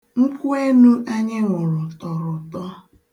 Nkwụenu anyị ṅụrụ tọrọ ụtọ.